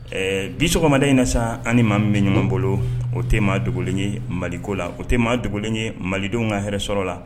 Ɛɛ bi sɔgɔmada in na sa ani maa min bɛ ɲɔgɔ bolo o te maa dogolen ye Maliko la, o te maa dogolen ye malidenw ka hɛrɛ sɔrɔ la.